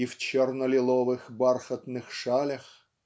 и в черно-лиловых бархатных шалях"